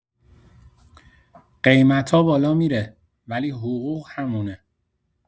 قیمت‌ها بالا می‌ره ولی حقوق همونه.